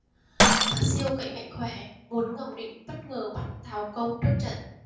mã siêu cậy mạnh khỏe muốn ngầm định bất ngờ bắt tào công trước trận